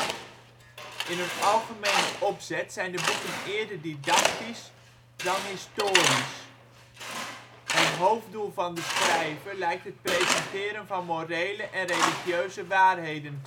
In hun algemene opzet zijn de boeken eerder didactisch als historisch. Het hoofddoel van de schrijver lijkt het presenteren van morele en religieuze waarheden